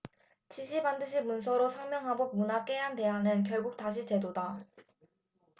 지시 반드시 문서로 상명하복 문화 깨야대안은 결국 다시 제도다